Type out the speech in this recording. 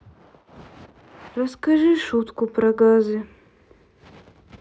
расскажи шутку про газы